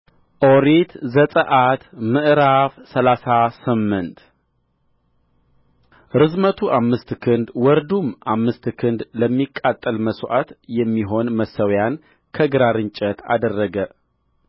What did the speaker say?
ኦሪት ዘጽአት ምዕራፍ ሰላሳ ስምንት ርዝመቱ አምስት ክንድ ወርዱም አምስት ክንድ ለሚቃጠል መሥዋዕት የሚሆን መሠዊያን ከግራር እንጨት አደረገ